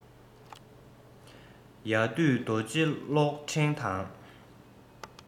ཡ བདུད རྡོ རྗེ གློག ཕྲེང དང